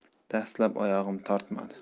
dastlab oyog'im tortmadi